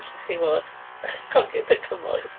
Gallech chi fod. Cogydd y cymoedd!